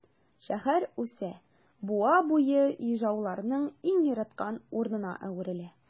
Шәһәр үсә, буа буе ижауларның иң яраткан урынына әверелә.